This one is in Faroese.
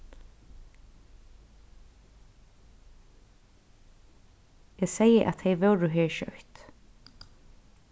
eg segði at tey vóru her skjótt